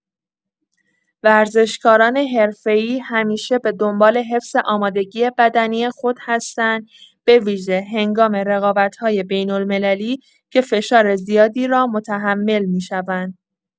ورزشکاران حرفه‌ای همیشه به دنبال حفظ آمادگی بدنی خود هستند، به‌ویژه هنگام رقابت‌های بین‌المللی که فشار زیادی را متحمل می‌شوند.